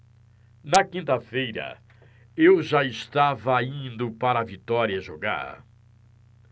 na quinta-feira eu já estava indo para vitória jogar